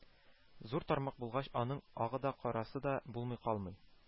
Зур тармак булгач, аның “агы да карасы да” булмый калмый